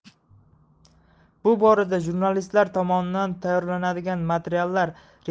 bu borada jurnalistlar tomonidan tayyorlanadigan materiallar